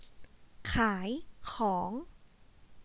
ขายของ